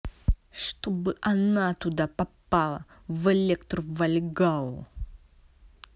чтобы она туда попала в электро вальгаллу